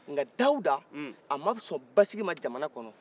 nka dawuda a ma sɔn basiki ma jamana kɔnɔ